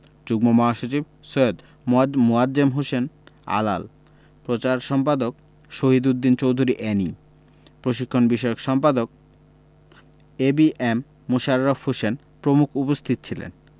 যুগ্ম মহাসচিব সৈয়দ মোয়াজ্জেম হোসেন আলাল প্রচার সম্পাদক শহীদ উদ্দিন চৌধুরী এ্যানি প্রশিক্ষণ বিষয়ক সম্পাদক A B M Mosharraf Hossain প্রমুখ উপস্থিত ছিলেন